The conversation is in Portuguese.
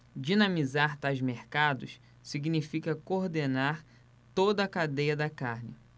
dinamizar tais mercados significa coordenar toda a cadeia da carne